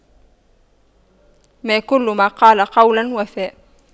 ما كل من قال قولا وفى